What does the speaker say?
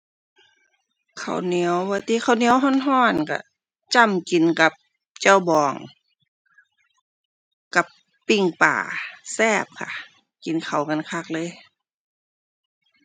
ข้าวเหนียวว่าติ ข้าวเหนียวร้อนร้อนร้อนจ้ำกินกับแจ่วบอง กับปิ้งปลาแซ่บค่ะ กินเข้ากันคักเลย